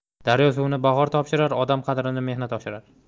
daryo suvini bahor toshirar odam qadrini mehnat oshirar